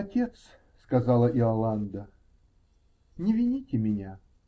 -- Отец, -- сказала Иоланда, -- не вините меня.